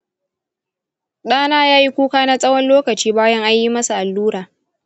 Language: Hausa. ɗana ya yi kuka na tsawon lokaci bayan an yi masa allura.